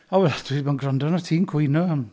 Oh, dwi 'di bo'n gwrando arna ti'n cwyno.